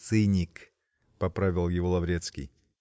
-- "Циник", -- поправил его Лаврецкий.